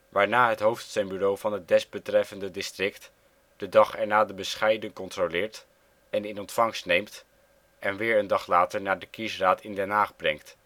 Waarna het hoofdstembureau van het desbetreffende district de dag erna de bescheiden controleert en in ontvangst neemt en weer een dag later naar de kiesraad in Den Haag brengt